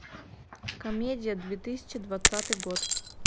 комедия две тысячи двадцатый год